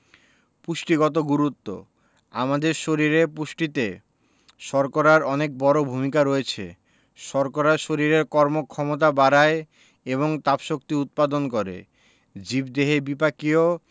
পুষ্টিগত গুরুত্ব আমাদের শরীরের পুষ্টিতে শর্করার অনেক বড় ভূমিকা রয়েছে শর্করা শরীরের কর্মক্ষমতা বাড়ায় এবং তাপশক্তি উৎপাদন করে জীবদেহে বিপাকীয়